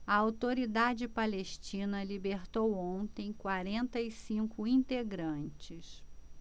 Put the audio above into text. a autoridade palestina libertou ontem quarenta e cinco integrantes